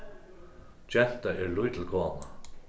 genta er lítil kona